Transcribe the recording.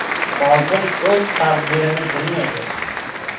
folbin o'z taqdirini bilmaydi